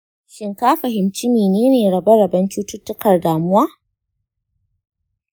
shin ka fahimci menene rabe-raben cututtukar damuwa?